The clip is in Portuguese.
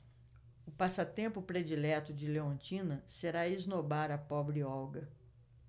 o passatempo predileto de leontina será esnobar a pobre olga